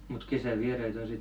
mutta kesävieraita on sitten